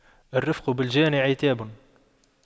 الرفق بالجاني عتاب